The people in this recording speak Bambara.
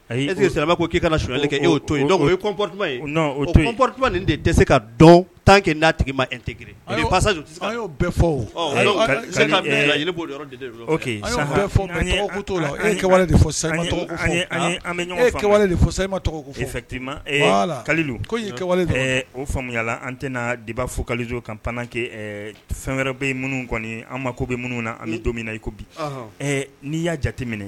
Ayi ko k'i kana suli kɛ e'o to yen de tɛ se ka tan n d tigi ma tɛ fɔ' la ewale de sawale de tɔgɔtimawale o faamuyaya an tɛna deba fo kali don ka pan kɛ fɛn wɛrɛ bɛ minnu kɔni an mako ko bɛ minnu na ani don min na i ko bi n'i y'a jateminɛ